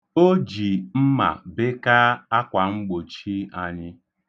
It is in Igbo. O ji mma bekaa akwamgbochi anyị.